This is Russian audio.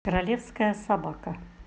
королевская собака